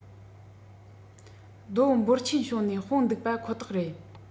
རྡོ འབོར ཆེན བྱུང ནས སྤུངས འདུག པ ཁོ ཐག རེད